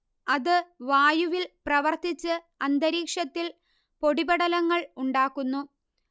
അത് വായുവിൽ പ്രവർത്തിച്ച് അന്തരീക്ഷത്തിൽ പൊടിപടലങ്ങൾ ഉണ്ടാക്കുന്നു